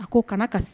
A ko kana ka